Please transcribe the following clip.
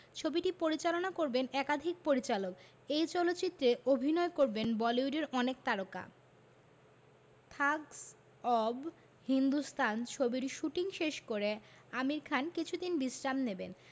ছবিটি পরিচালনা করবেন একাধিক পরিচালক এই চলচ্চিত্রে অভিনয় করবেন বলিউডের অনেক তারকা থাগস অব হিন্দুস্তান ছবির শুটিং শেষ করে আমির খান কিছুদিন বিশ্রাম নেবেন